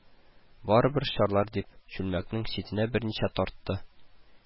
Барыбер чарлар дип, чүлмәкнең читенә берничә тартты